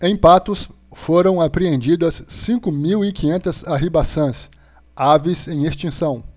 em patos foram apreendidas cinco mil e quinhentas arribaçãs aves em extinção